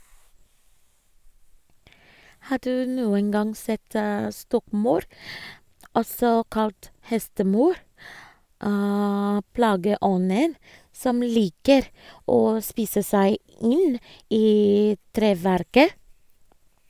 Har du noen gang sett stokkmaur, også kalt hestemaur, plageånden som liker å spise seg inn i treverket?